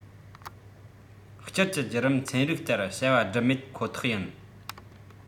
དཀྱིལ གྱི བརྒྱུད རིམ ཚན རིག ལྟར བྱ བ བསྒྲུབ མེད ཁོ ཐག ཡིན